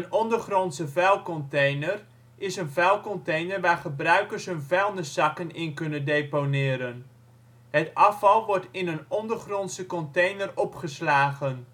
ondergrondse vuilcontainer is een vuilcontainer waar gebruikers hun vuilniszakken in kunnen deponeren. De afval wordt in een ondergrondse container opgeslagen